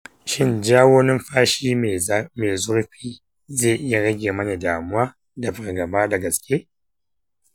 shin jawo lumfashi mai zurfi zai iya rage mini damuwa da fargaba da gaske?